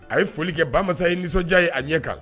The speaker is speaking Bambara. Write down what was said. A ye foli kɛ bamasa ye nisɔndiya ye a ɲɛ kan